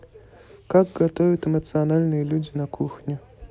как готовят эмоциональные люди на кухне